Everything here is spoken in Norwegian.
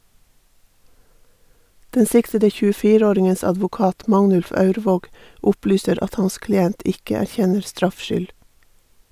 Den siktede 24-åringens advokat, Magnulf Aurvåg, opplyser at hans klient ikke erkjenner straffskyld.